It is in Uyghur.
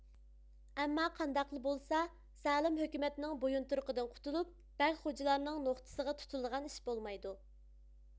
ئەمما قانداقلا بولسا زالىم ھۆكۈمەتنىڭ بويۇنتۇرۇقىدىن قۇتۇلۇپ بەگ غوجىلارنىڭ نوختىسىغا تۇتۇلىدىغان ئىش بولمايدۇ